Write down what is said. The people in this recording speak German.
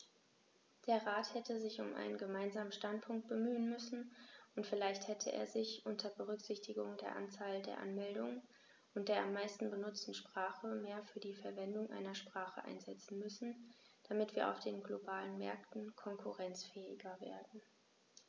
Der Rat hätte sich um einen gemeinsamen Standpunkt bemühen müssen, und vielleicht hätte er sich, unter Berücksichtigung der Anzahl der Anmeldungen und der am meisten benutzten Sprache, mehr für die Verwendung einer Sprache einsetzen müssen, damit wir auf den globalen Märkten konkurrenzfähiger werden.